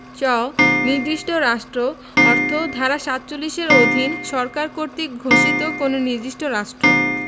চ নির্দিষ্ট রাষ্ট্র অর্থ ধারা ৪৭ এর অধীন সরকার কর্তৃক ঘোষিত কোন নির্দিষ্ট রাষ্ট্র